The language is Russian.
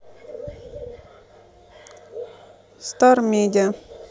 стар медиа